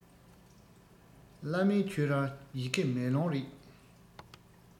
བླ མའི ཆོས རར ཡི གེ མེ ལོང རེད